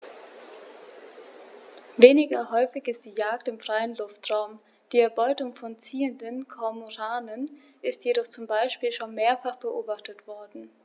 Weniger häufig ist die Jagd im freien Luftraum; die Erbeutung von ziehenden Kormoranen ist jedoch zum Beispiel schon mehrfach beobachtet worden.